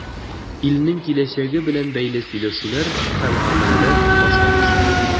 Илнең киләчәге белән бәйле сөйләшүләр һәм гамәлләр башланачак.